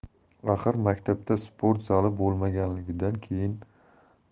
axir maktabda sport zali bo'lmaganidan